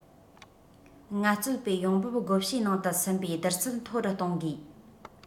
ངལ རྩོལ པའི ཡོང འབབ བགོ བཤའི ནང དུ ཟིན པའི བསྡུར ཚད མཐོ རུ གཏོང དགོས